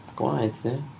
Gwaed 'di o.